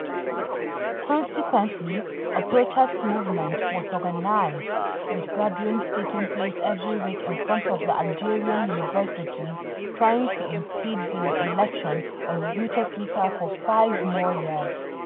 Consequently a protest movement was organized with gatherings taking place every week in front of the Algerian universities trying to impede the reelection of Bouteflika for 5 more years.